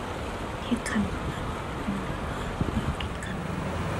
เฮ็ดขนมแหล้วเนาะ ญ้อนว่าอยากกินขนม